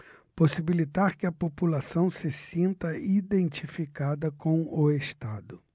possibilitar que a população se sinta identificada com o estado